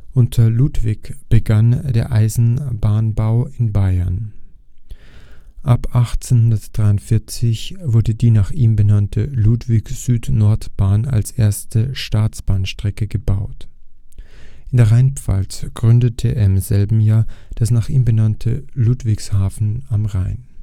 Unter Ludwig begann der Eisenbahnbau in Bayern. Ab 1843 wurde die nach ihm benannte Ludwig-Süd-Nord-Bahn als erste Staatsbahnstrecke gebaut. In der Rheinpfalz gründete er im selben Jahr das nach ihm benannte Ludwigshafen am Rhein